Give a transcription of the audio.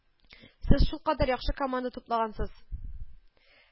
Сез шулкадәр яхшы команда туплагансыз